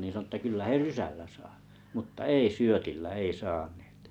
niin sanoi että kyllä he rysällä saa mutta ei syötillä ei saaneet